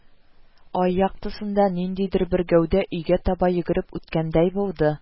Ай яктысында ниндидер бер гәүдә өйгә таба йөгереп үткәндәй булды